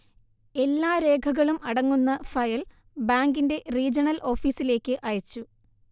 എല്ലാരേഖകളും അടങ്ങുന്ന ഫയൽ ബാങ്കിന്റെ റീജണൽ ഓഫീസിലേക്ക് അയച്ചു